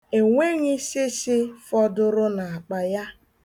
Enweghị shịshị fọdụrụ n'akpa ya.